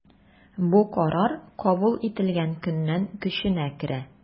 Бу карар кабул ителгән көннән көченә керә.